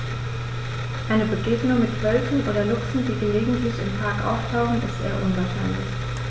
Eine Begegnung mit Wölfen oder Luchsen, die gelegentlich im Park auftauchen, ist eher unwahrscheinlich.